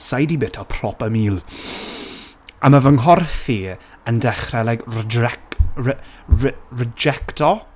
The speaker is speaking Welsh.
Sa i 'di byta proper meal, a ma' fy nghorff i , yn dechrau like rejec- re- re- rejecto.